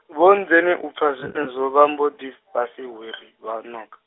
Vho Nnzeni u pfa zwenezwo vha mbo ḓi fhasi hwiri vha ṋoka.